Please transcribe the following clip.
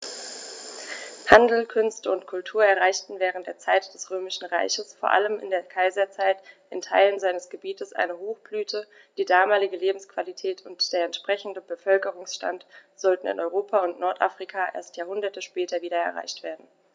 Handel, Künste und Kultur erreichten während der Zeit des Römischen Reiches, vor allem in der Kaiserzeit, in Teilen seines Gebietes eine Hochblüte, die damalige Lebensqualität und der entsprechende Bevölkerungsstand sollten in Europa und Nordafrika erst Jahrhunderte später wieder erreicht werden.